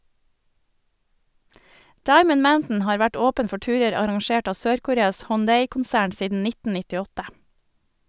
Diamond Mountain har vært åpen for turer arrangert av Sør-Koreas Hyundai-konsern siden 1998.